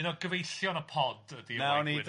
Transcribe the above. Un o gyfeillion y pod ydy Owain Gwynedd.